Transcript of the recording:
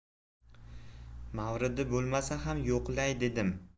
mavridi bo'lmasa ham yo'qlay dedim